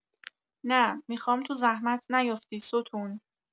نه، میخوام تو زحمت نیوفتی ستون